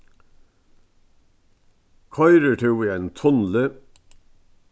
koyrir tú í einum tunli